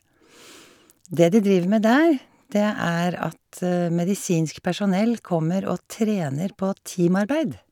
Det de driver med der, det er at medisinsk personell kommer og trener på teamarbeid.